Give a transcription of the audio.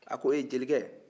a ko e ye jelikɛ